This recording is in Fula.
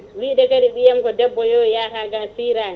wiide kadi ɓiyam ko debbo yo yataga sirani